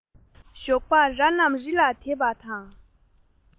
ཞོགས པར ར རྣམས རི ལ དེད པ དང